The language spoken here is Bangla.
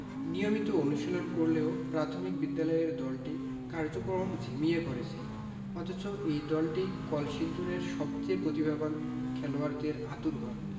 নিয়মিত অনুশীলন করলেও প্রাথমিক বিদ্যালয়ের দলটির কার্যক্রম ঝিমিয়ে পড়েছে অথচ এই দলটিই কলসিন্দুরের সবচেয়ে পতিভাবান খেলোয়াড়দের আঁতুড়ঘর